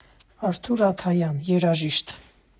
Արթուր Աթայան, երաժիշտ։